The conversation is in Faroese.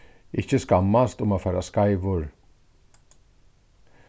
ikki skammast um at fara skeivur